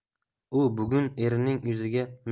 u bugun erining